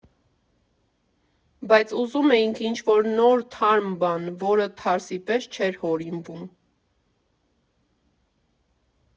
Բայց ուզում էինք ինչ֊որ նոր, թարմ բան, որը թարսի պես չէր հորինվում։